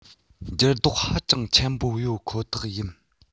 འགྱུར ལྡོག ཧ ཅང ཆེན པོ ཡོད ཁོ ཐག ཡིན